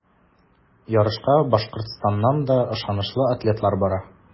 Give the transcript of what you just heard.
Ярышка Башкортстаннан да ышанычлы атлетлар бара.